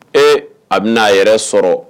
Ee a bɛna a yɛrɛ sɔrɔ